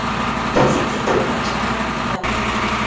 thí sinh dự thi vào trường cao đẳng cộng đồng hà nội